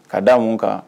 Ka di an mun kan